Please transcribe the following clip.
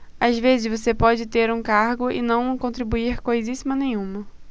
às vezes você pode ter um cargo e não contribuir coisíssima nenhuma